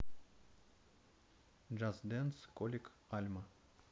just dance колик альма